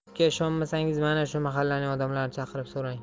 uka ishonmasangiz mana shu mahallaning odamlarini chaqirib so'rang